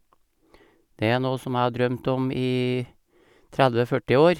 Det er noe som jeg har drømt om i tredve førti år.